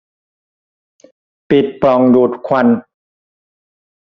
ปิดปล่องดูดควัน